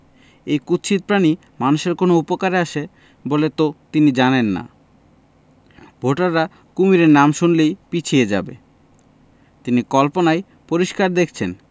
এই কুৎসিত প্রাণী মানুষের কোন উপকারে আসে বলে তো তিনি জানেন না ভোটাররা কুমীরের নাম শুনলেই পিছিয়ে যাবে তিনি কল্পনায় পরিষ্কার দেখছেন